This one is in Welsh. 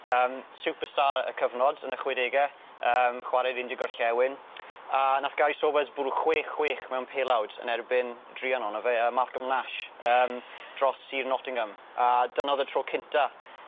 Yym superstar y cyfnod yn y chwedege yym chware i'r India Gorllewin a nath Gary Sobers bwrw chwech chwech mewn pelawd yn erbyn druan ono fe yy Malcolm Nash yym dros Sir Nottingham a dyna o'dd y tro cynta